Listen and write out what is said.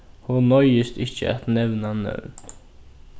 hon noyðist ikki at nevna nøvn